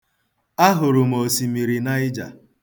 Ahụrụ m Osimiri Naịja.